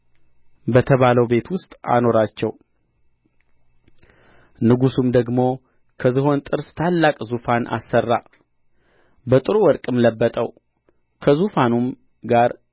በተባለው ቤት ውስጥ አኖራቸው ንጉሡም ደግሞ ከዘሆን ጥርስ ታላቅ ዙፋን አሠራ በጥሩ ወርቅም ለበጠው ከዙፋኑም ጋር